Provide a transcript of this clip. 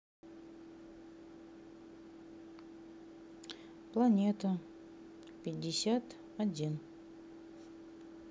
планета пятьдесят один